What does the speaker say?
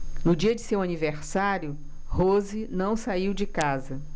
no dia de seu aniversário rose não saiu de casa